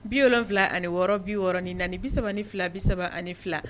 Bi wolonfila ani bi6ɔrɔn ni naani bi3 ni fila bi3 ani fila